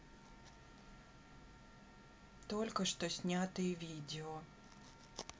только что снятые видео